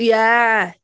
Ie!